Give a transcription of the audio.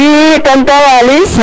i tonton Waly